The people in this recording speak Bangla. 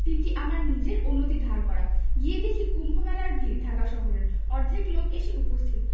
তিনটি অামার নিজের অন্যটি ধার করা গিয়ে দেখি কুম্ভমেলার ভিড় ঢাকা শহরের অর্ধেক লোক এসে উপস্থিত